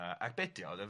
yy ac be' 'di o